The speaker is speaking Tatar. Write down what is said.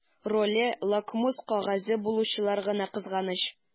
Роле лакмус кәгазе булучылар гына кызганыч.